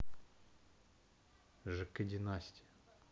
жк династия